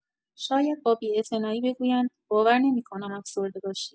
شاید با بی‌اعتنایی بگویند: باور نمی‌کنم افسرده باشی.